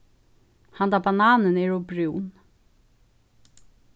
handa bananin er ov brún